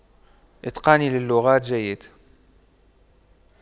أتقاني للغات جيد